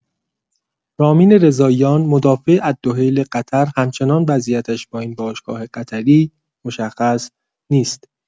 رامین‌رضاییان، مدافع الدحیل قطر همچنان وضعیتش با این باشگاه قطری مشخص نیست.